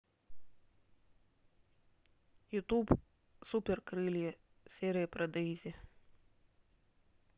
ютуб супер крылья серия про дейзи